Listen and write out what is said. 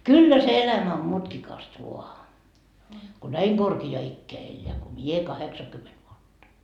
kyllä se elämä on mutkikasta vain kun näin korkeaan ikään elää kuin minä kahdeksankymmentä vuotta